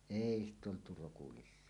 ei sitä oltu rokulissa